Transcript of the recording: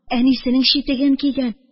Әнисенең читеген кигән.